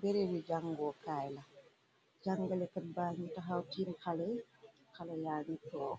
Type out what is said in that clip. Bere wi jàngookaay la jàngalekat bay ñi taxaw tiin xalaya ñu toog